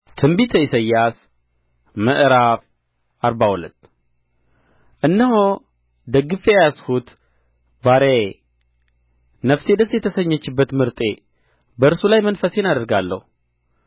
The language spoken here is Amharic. ትንቢተ ኢሳይያስ ምዕራፍ አርባ ሁለት እነሆ ደግፌ የያዝሁት ባሪያዬ ነፍሴ ደስ የተሰኘችበት ምርጤ በእርሱ ላይ መንፈሴን አድርጌአለሁ